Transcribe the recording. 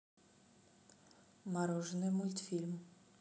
мороженое мультфильм